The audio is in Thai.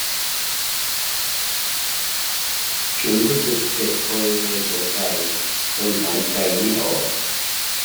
ฉันรู้สึกเจ็บบริเวณหัวใจจนหายใจไม่ออก